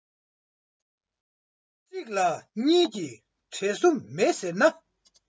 གཅིག ལ གཉིས ཀྱི འབྲེལ སོ མེད ཟེར ན